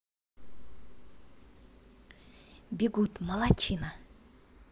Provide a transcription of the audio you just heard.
бегут молодчина